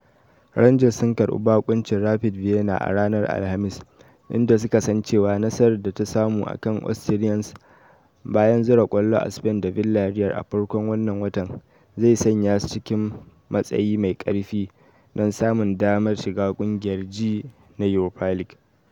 Rangers sun karbi bakuncin Rapid Vienna a ranar Alhamis, inda suka san cewa nasarar da ta samu a kan Austrians, bayan zira kwallo a Spain da Villarreal a farkon wannan watan, zai sanya su cikin matsayi mai karfi don samun damar shiga kungiyar G na Europa League.